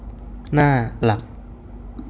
หน้าหลัก